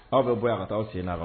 Aw bɛ bɔ yan, ka taa aw sen na a